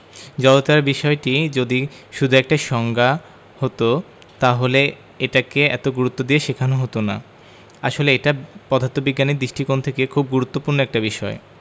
জড়তার বিষয়টি যদি শুধু একটা সংজ্ঞা হতো তাহলে এটাকে এত গুরুত্ব দিয়ে শেখানো হতো না আসলে এটা পদার্থবিজ্ঞানের দৃষ্টিকোণ থেকে খুব গুরুত্বপূর্ণ একটা বিষয়